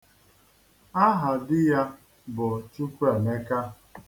Aha di ya bụ Chukwuemeka.